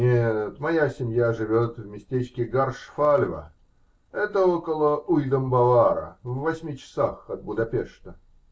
-- Нет, моя семья живет в местечке Гаршфальва, это около Уй Домбовара, в восьми часах от Будапешта.